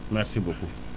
merci beaucoup